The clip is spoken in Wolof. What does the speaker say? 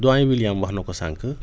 doyen William wax na ko sànq